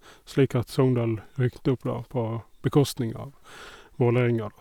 Slik at Sogndal rykket opp, da, på bekostning av Vålerenga, da.